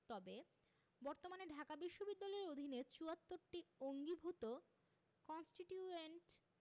তবে বর্তমানে ঢাকা বিশ্ববিদ্যালয়ের অধীনে ৭৪টি অঙ্গীভুত কন্সটিটিউয়েন্ট